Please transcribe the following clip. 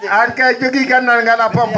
an kay jogui kalade gar?a a pompat